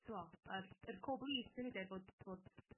T'wo' yr yr core beliefs ynny 'de bod bod